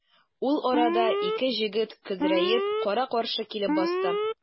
Ул арада ике җегет көдрәеп кара-каршы килеп басты.